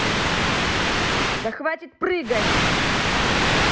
да хватит прыгать